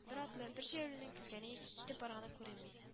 Ер атлы, бер җәяүленең килгәне яки китеп барганы күренми. ә